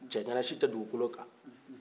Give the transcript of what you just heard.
cɛgana si tɛ dugukolo kan